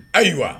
Ayiwa